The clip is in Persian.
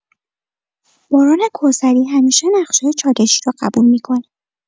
باران کوثری همیشه نقشای چالشی رو قبول می‌کنه.